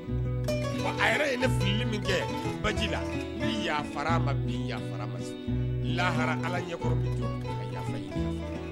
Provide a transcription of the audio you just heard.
A yɛrɛ ye ne fili min kɛ baji lafa mafa ma lahara ala ɲɛ